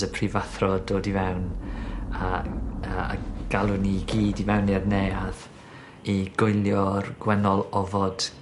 ... y prifathro dod i fewn a a a galw ni i gyd i mewn i'r neuadd i gwylio'r gwennol ofod